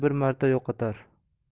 bir marta yo'qotar